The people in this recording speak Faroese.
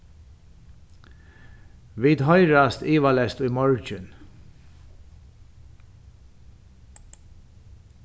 vit hoyrast ivaleyst í morgin